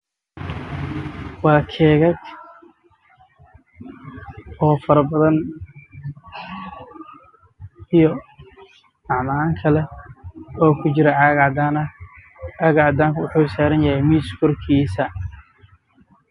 Waa keegag faro badan